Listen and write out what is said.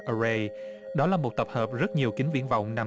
đó là một tập hợp rất nhiều kính viễn vọng nằm